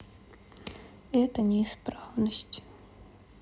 это неисправность